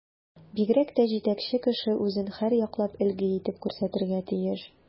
Бигрәк тә җитәкче кеше үзен һәрьяклап өлге итеп күрсәтергә тиеш.